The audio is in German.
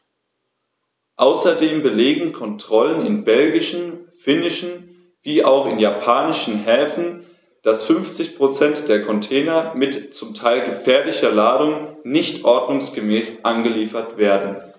Außerdem belegen Kontrollen in belgischen, finnischen wie auch in japanischen Häfen, dass 50 % der Container mit zum Teil gefährlicher Ladung nicht ordnungsgemäß angeliefert werden.